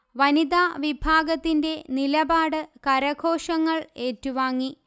വനിതാ വിഭാഗത്തിന്റെ നിലപാട് കരഘോഷങ്ങൾ ഏറ്റുവാങ്ങി